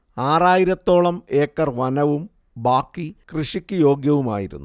ആറായിരത്തോളം ഏക്കർ വനവും ബാക്കി കൃഷിക്ക് യോഗ്യവുമായിരുന്നു